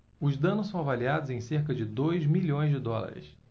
os danos são avaliados em cerca de dois milhões de dólares